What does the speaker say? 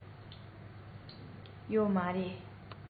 ཡོད མ རེད